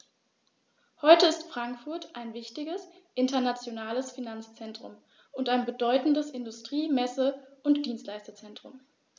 Heute ist Frankfurt ein wichtiges, internationales Finanzzentrum und ein bedeutendes Industrie-, Messe- und Dienstleistungszentrum.